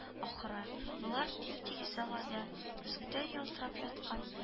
Ахыры болар тип-тигез далада көзгедәй ялтырап яткан